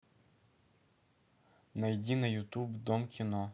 найди на ютуб дом кино